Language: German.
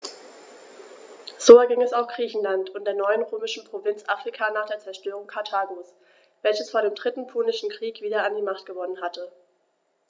So erging es auch Griechenland und der neuen römischen Provinz Afrika nach der Zerstörung Karthagos, welches vor dem Dritten Punischen Krieg wieder an Macht gewonnen hatte.